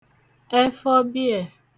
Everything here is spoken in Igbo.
ẹfọ biè